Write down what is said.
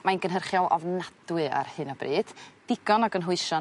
...mae'n gynhyrchiol ofnadwy ar hyn o bryd digon o gynhwysion